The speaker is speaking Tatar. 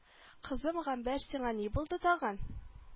Кызым гамбәр сиңа ни булды тагын